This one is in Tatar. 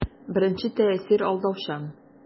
Беренче тәэсир алдаучан.